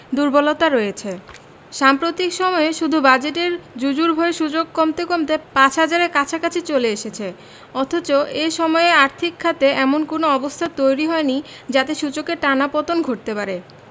দুর্বলতা রয়েছে সাম্প্রতিক সময়ে শুধু বাজেটের জুজুর ভয়ে সূচক কমতে কমতে ৫ হাজারের কাছাকাছি চলে এসেছে অথচ এ সময়ে আর্থিক খাতে এমন কোনো অবস্থা তৈরি হয়নি যাতে সূচকের টানা পতন ঘটতে পারে